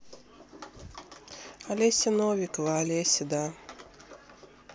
олеся новикова олеся да